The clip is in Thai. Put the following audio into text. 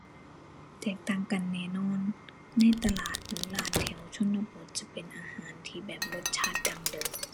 แตกต่างกันแน่นอน ในตลาดหรือร้านแถวชนบทจะเป็นอาหารที่แบบรสชาติดั้งเดิม